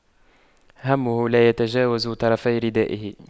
همه لا يتجاوز طرفي ردائه